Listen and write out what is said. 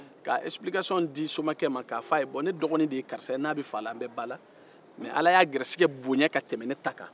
ka esipilikasiyɔn di somake k'a fɔ a ye ne dɔgɔnin de ya karisa an bɛ ba la an be fa la mɛ ala y'a garijɛgɛ bonya ka tɛmɛ ne ta kan